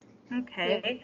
Ok.